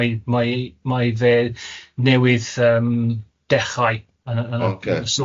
Mae mae mae fe newydd yym dechrau yn y yn y... Ocê... swydd